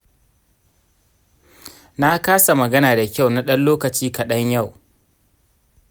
na kasa magana da kyau na dan lokaci kaɗan yau.